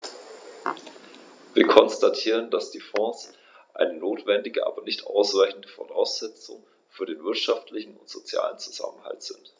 Wir konstatieren, dass die Fonds eine notwendige, aber nicht ausreichende Voraussetzung für den wirtschaftlichen und sozialen Zusammenhalt sind.